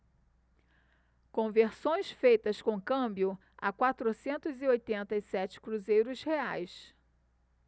conversões feitas com câmbio a quatrocentos e oitenta e sete cruzeiros reais